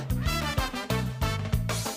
Sanunɛ